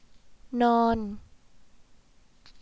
นอน